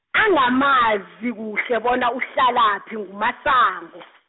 angamazi kuhle bona uhlalaphi nguMasango .